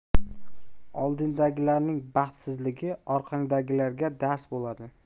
oldindagilarning baxtsizligi orqadagilarga dars bo'ladi